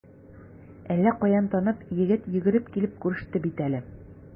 Әллә каян танып, егет йөгереп килеп күреште бит әле.